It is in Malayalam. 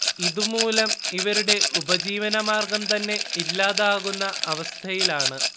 ഇതുമൂലം ഇവരുടെ ഉപജീവനമാർഗം തന്നെ ഇല്ലാതാകുന്ന അവസ്ഥയിലാണ്